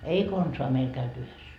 ei konsaan meillä käyty yhdessä